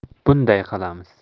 bunday qilamiz